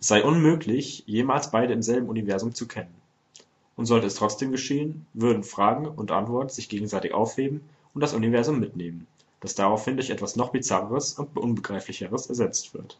Es sei unmöglich, jemals beide im selben Universum zu kennen – und sollte es trotzdem geschehen, würden Frage und Antwort sich gegenseitig aufheben und das Universum mitnehmen, das daraufhin durch etwas noch Bizarreres und Unbegreiflicheres ersetzt wird